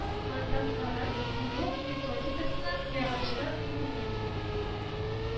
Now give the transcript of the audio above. Мандатларын бүлү методикасына ярашлы бүленә